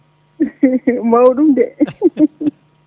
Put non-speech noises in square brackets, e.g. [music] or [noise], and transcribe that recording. [laughs] mawɗum de